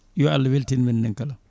yo Allha weltin men en kala